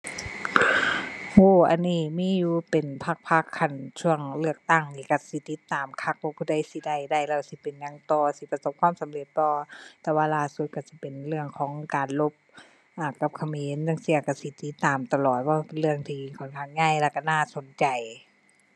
โอ้ อันนี้มีอยู่เป็นพักพัก คันช่วงเลือกตั้งนี่ก็สิติดตามคักว่าผู้ใดสิได้ ได้แล้วสิเป็นหยังต่อ สิประสบความสำเร็จบ่ แต่ว่าล่าสุดก็สิเป็นเรื่องของการรบ อ่า กับเขมรจั่งซี้ก็สิติดตามตลอด เพราะเป็นเรื่องที่ค่อนข้างใหญ่แล้วก็น่าสนใจ